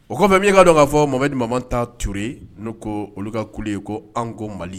O kɔfɛ min'i kaa dɔn k'a fɔ mɔgɔ ta tuure n ko olu ka kule ye ko an ko mali